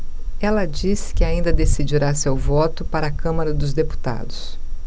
ela disse que ainda decidirá seu voto para a câmara dos deputados